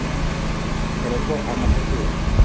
хорошо а на какую